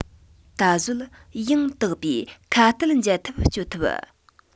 ད གཟོད ཡང དག པའི ཁ གཏད འཇལ ཐབས སྤྱོད ཐུབ